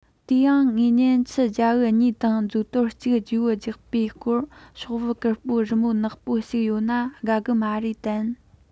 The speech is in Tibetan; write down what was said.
དེ ཡང ངེད གཉིས ཁྱི རྒྱའུ གཉིས དང མཚོ དོར གཅིག བརྗེ པོ བརྒྱབ པའི སྐོར ཤོག བུ དཀར པོར རི མོ ནག པོ ཞིག ཡོད ན དགའ གི མ རེད དམ